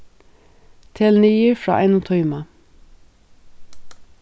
tel niður frá einum tíma